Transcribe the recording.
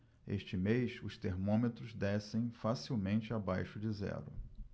este mês os termômetros descem facilmente abaixo de zero